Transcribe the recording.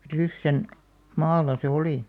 Ryssän maalla se oli